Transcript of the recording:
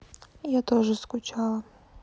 я тоже скучала